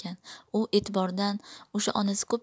u e'tibordan o 'sha onasi ko'p